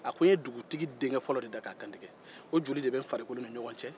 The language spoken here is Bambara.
a ko n ye dugutigi denkɛfɔlɔ de da k'a kantigi o joli de bɛ ne farikolo ni ɲɔgɔ cɛ